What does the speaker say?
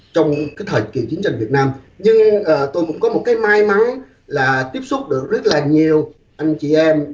trong cái thời kỳ chiến tranh việt nam nhưng ờ tôi cũng có một cái may mắn là tiếp xúc được rất là nhiều anh chị em